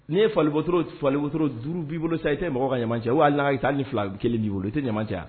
N'i ye falenli bɔlioro duuruuru b'i bolo sa i tɛ mɔgɔ ka ɲama cɛ' la taa ni fila kelen' bolo i tɛ ɲama cɛ